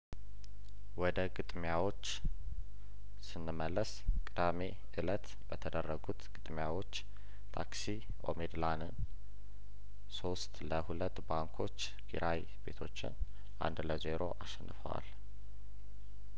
ወደ ግጥሚያዎች ስንመለስ ቅዳሜ እለት በተደረጉት ግጥሚያዎች ታክሲ ኦሜድላን ሶስት ለሁለት ባንኮች ኪራይ ቤቶችን አንድ ለዜሮ አሸንፈዋል